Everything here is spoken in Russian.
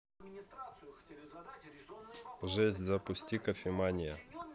жесть запусти кофемания